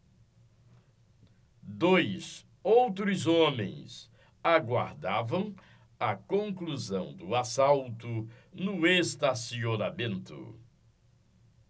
dois outros homens aguardavam a conclusão do assalto no estacionamento